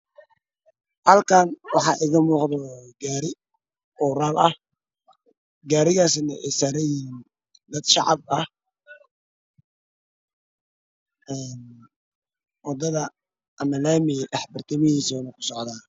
Halkan waxaa igamudo gaari oo uraal ah gaarigaasna ay saaran yihiin dad shacab ah wadada ama laamiga dhex bartamihiisa ayuu ku socdaa